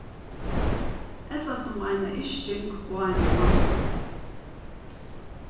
ella sum eina yrking og eina samrøðu